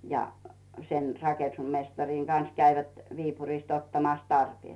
ja sen rakennusmestarin kanssa kävivät Viipurista ottamassa tarpeet